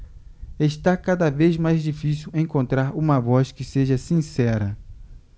está cada vez mais difícil encontrar uma voz que seja sincera